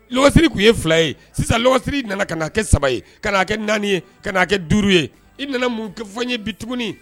Siri tun ye fila ye sisan siri nana ka kɛ saba ye ka'a kɛ naani ye ka' kɛ duuru ye i nana mun fɔ ye bit tugun